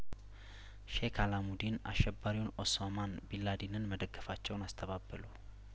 ሼክ አላሙዲን አሸባሪውን ኦሶማን ቢንላዲንን መደገፋቸውን አስተባበሉ